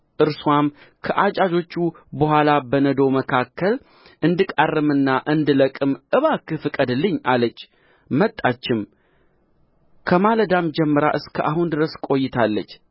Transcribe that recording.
እርስዋም ከአጫጆቹ በኋላ በነዶው መካከል እንድቃርምና እንድለቅም እባክህ ፍቀድልኝ አለች መጣችም ከማለዳም ጀምራ እስከ አሁን ድረስ ቆይታለች